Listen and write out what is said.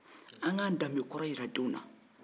an ka an danbe kɔrɔ yira denw na